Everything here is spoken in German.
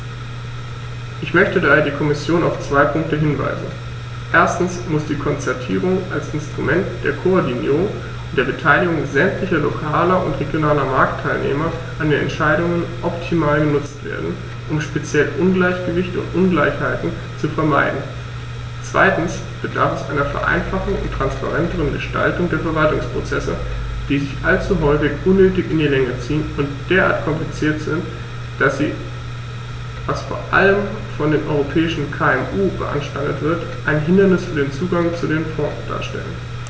Ich möchte daher die Kommission auf zwei Punkte hinweisen: Erstens muss die Konzertierung als Instrument der Koordinierung und der Beteiligung sämtlicher lokaler und regionaler Marktteilnehmer an den Entscheidungen optimal genutzt werden, um speziell Ungleichgewichte und Ungleichheiten zu vermeiden; zweitens bedarf es einer Vereinfachung und transparenteren Gestaltung der Verwaltungsprozesse, die sich allzu häufig unnötig in die Länge ziehen und derart kompliziert sind, dass sie, was vor allem von den europäischen KMU beanstandet wird, ein Hindernis für den Zugang zu den Fonds darstellen.